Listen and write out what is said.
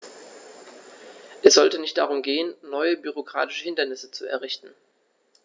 Es sollte nicht darum gehen, neue bürokratische Hindernisse zu errichten.